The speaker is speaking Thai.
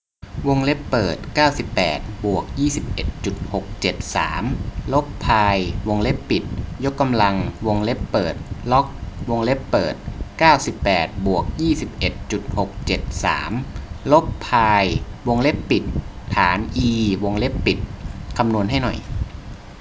วงเล็บเปิดเก้าสิบแปดบวกยี่สิบเอ็ดจุดหกเจ็ดสามลบพายวงเล็บปิดยกกำลังวงเล็บเปิดล็อกวงเล็บเปิดเก้าสิบแปดบวกยี่สิบเอ็ดจุดหกเจ็ดสามลบพายวงเล็บปิดฐานอีวงเล็บปิดคำนวณให้หน่อย